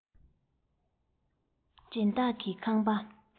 སྦྱིན བདག གི ཁ པ